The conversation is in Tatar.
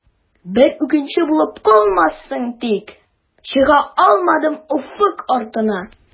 Бер үкенеч булып калмассың тик, чыгалмадым офык артына.